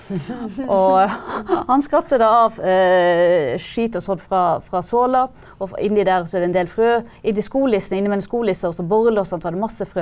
og han skrapte da av skit og sånn fra fra såla, og inni der så er en del frø i de skolissene innimellom skolelisser og borrelås og sånt så var det masse frø.